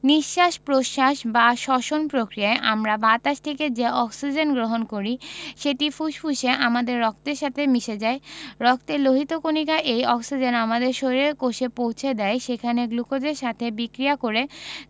নিঃশ্বাস প্রশ্বাস বা শ্বসন প্রক্রিয়ায় আমরা বাতাস থেকে যে অক্সিজেন গ্রহণ করি সেটি ফুসফুসে আমাদের রক্তের সাথে মিশে যায় রক্তের লোহিত কণিকা এই অক্সিজেন আমাদের শরীরের কোষে পৌছে দেয় সেখানে গ্লুকোজের সাথে বিক্রিয়া করে